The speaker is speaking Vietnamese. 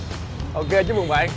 ô cê chúc mừng bạn